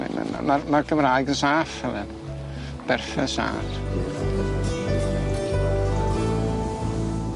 Ma' ma' ma' ma' ma'r Gymraeg yn saff Helen. Berffeth saff.